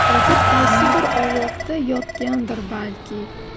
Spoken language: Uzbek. o'zi qaysi bir ovloqda yotgandir balki